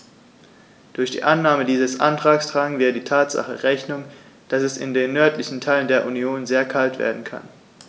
Durch die Annahme dieses Antrags tragen wir der Tatsache Rechnung, dass es in den nördlichen Teilen der Union sehr kalt werden kann.